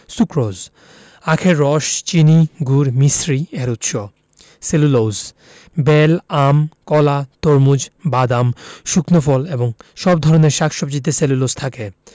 sucrose আখের রস চিনি গুড় মিছরি এর উৎস সেলুলোজ বেল আম কলা তরমুজ বাদাম শুকনো ফল এবং সব ধরনের শাক সবজিতে সেলুলোজ থাকে